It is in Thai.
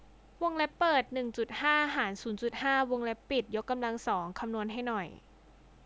วงเล็บเปิดหนึ่งจุดห้าหารศูนย์จุดห้าวงเล็บปิดยกกำลังสองคำนวณให้หน่อย